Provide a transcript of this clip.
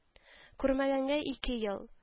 Күрмәгәнгә ике ел